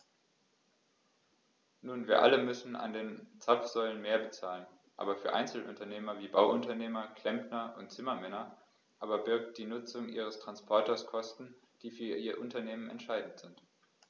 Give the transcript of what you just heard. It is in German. Nun wir alle müssen an den Zapfsäulen mehr bezahlen, aber für Einzelunternehmer wie Bauunternehmer, Klempner und Zimmermänner aber birgt die Nutzung ihres Transporters Kosten, die für ihr Unternehmen entscheidend sind.